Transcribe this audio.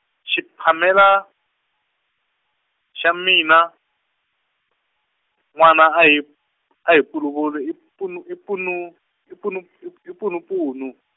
Shiphamela, xa mina , n'wana a hi, a hi Puluvulu i punu- i punu- i punu- i p-, i punupunu.